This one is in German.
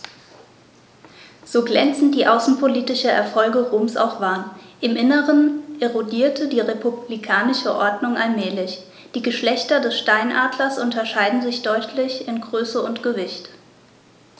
So glänzend die außenpolitischen Erfolge Roms auch waren: Im Inneren erodierte die republikanische Ordnung allmählich. Die Geschlechter des Steinadlers unterscheiden sich deutlich in Größe und Gewicht.